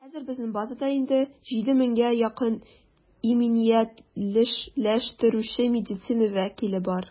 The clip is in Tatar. Хәзер безнең базада инде 7 меңгә якын иминиятләштерүче медицина вәкиле бар.